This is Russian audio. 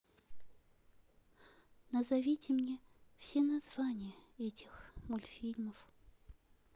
назовите мне все названия этих мультфильмов